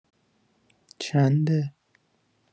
چنده؟